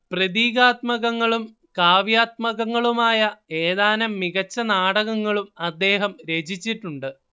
പ്രതീകാത്മകങ്ങളും കാവ്യാത്മകങ്ങളുമായ ഏതാനും മികച്ച നാടകങ്ങളും അദ്ദേഹം രചിച്ചിട്ടുണ്ട്